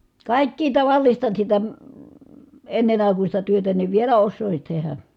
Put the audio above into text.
kaikkea tavallista sitä ennen aikuista työtä niin vielä osaisin tehdä